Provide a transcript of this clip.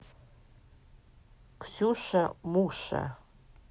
ксюша муша